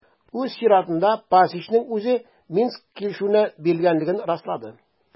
Үз чиратында Пасечник үзе Минск килешүенә бирелгәнлеген раслады.